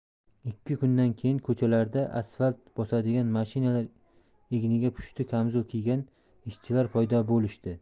ikki kundan keyin ko'chalarida asfalt bosadigan mashinalar egniga pushti kamzul kiygan ishchilar paydo bo'lishdi